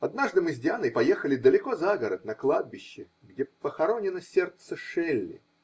Однажды мы с Дианой поехали далеко за город, на кладбище, где похоронено сердце Шелли